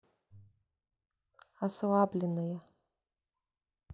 ослабленная